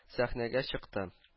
Сәхнәгә чыкты